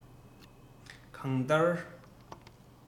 གང ལྟར